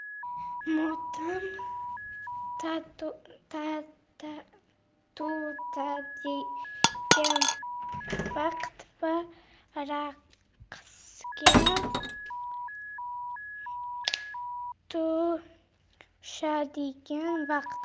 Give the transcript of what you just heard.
motam tutadigan vaqt va raqsga tushadigan vaqt